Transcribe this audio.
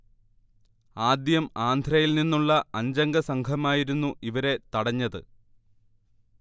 ആദ്യം ആന്ധ്രയിൽ നിന്നുള്ള അഞ്ചംഗ സംഘമായിരുന്നു ഇവരെ തടഞ്ഞത്